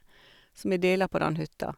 Så vi deler på den hytta.